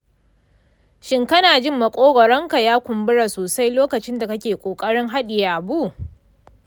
shin kana jin makogwaronka ya kumbura sosai lokacin da kake ƙoƙarin hadiye abu?